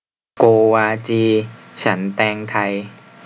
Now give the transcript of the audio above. โกวาจีฉันแตงไทย